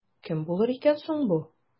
Кем булыр икән соң бу?